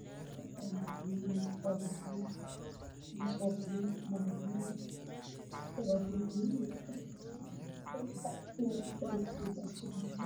Meeshaan waxaa ka muuqdo kuraas la xayisiinayo